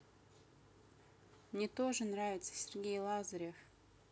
мне тоже нравится сергей лазарев